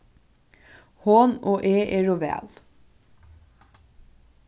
hon og eg eru væl